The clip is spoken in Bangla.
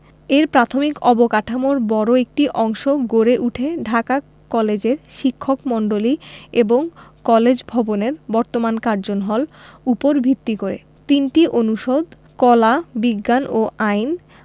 এর প্রাথমিক অবকাঠামোর বড় একটি অংশ গড়ে উঠে ঢাকা কলেজের শিক্ষকমন্ডলী এবং কলেজ ভবনের বর্তমান কার্জন হল উপর ভিত্তি করে ৩টি অনুষদ কলা বিজ্ঞান ও আইন